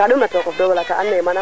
mais yaqane ka i moƴo ngorngolu wa